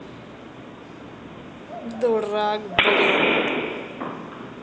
дурак блин